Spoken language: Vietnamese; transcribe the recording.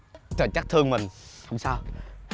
chắc thương mình hổng sao